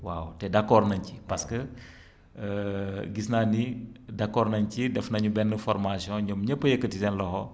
waaw te d' accord nañ ci parce que gis naa ni d' accord nañ ci def nañu benn formation ñoom ñépp a yëkkati seen loxo